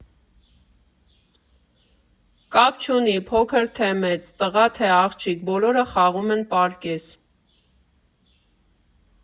Կապ չունի՝ փոքր թե մեծ, տղա թե աղջիկ՝ բոլորը խաղում են պարկես։